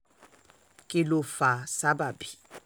Kí ló fa sábàbí?